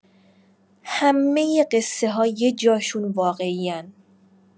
همۀ قصه‌ها یه جاشون واقعی‌ان.